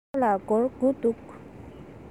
ཁོ ལ སྒོར དགུ འདུག